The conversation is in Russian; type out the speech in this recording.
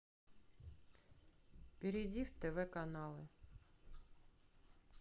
перейди в тв каналы